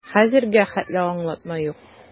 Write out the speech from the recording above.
Хәзергә хәтле аңлатма юк.